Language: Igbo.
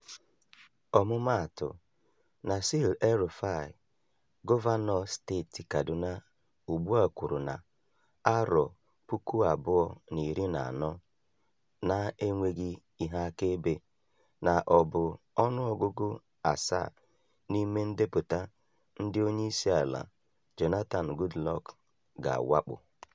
Ọmụmaatụ, Nassir El-Rufai, gọvanọ steeti Kadụna ugbu a kwuru na 2014 — na-enweghị ihe akaebe — na ọ bụ “ọnụọgụgụ 7 n'ime ndepụta ndị [Onyeisiala Jonathan Goodluck] ga-awakpo”.